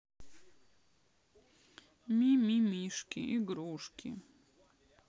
ми ми мишки игрушки